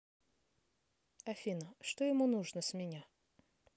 афина что ему нужно с меня